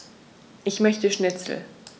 Ich möchte Schnitzel.